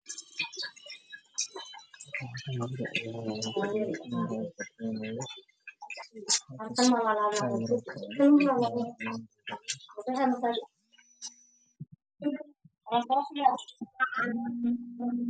Waa askar wato dareeskooda iyo raisul waasare lahadlaayo